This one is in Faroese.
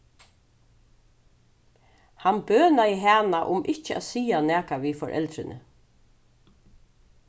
hann bønaði hana um ikki at siga nakað við foreldrini